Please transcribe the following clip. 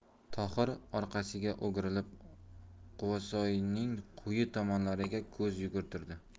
tohir orqasiga o'girilib quvasoyning quyi tomonlariga ko'z yugurtirdi